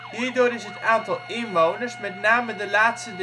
Hierdoor is het aantal inwoners met name de laatste